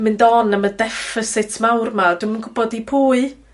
Yn mynd on am y defecit mawr 'ma dwi'm yn gwbod i pwy.